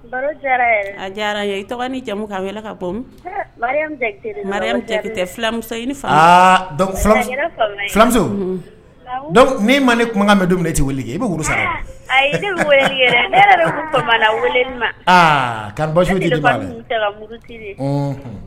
I tɔgɔ jamumu k'a ka bɔmusomuso ni ma ne kumakan bɛ dumuni tɛ i bɛ sa